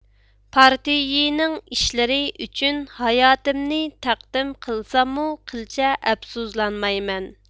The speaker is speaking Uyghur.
پارتىيىنىڭ ئىشلىرى ئۈچۈن ھاياتىمنى تەقدىم قىلساممۇ قىلچە ئەپسۇسلانمايمەن